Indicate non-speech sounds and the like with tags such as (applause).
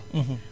(hesitation) (hesitation)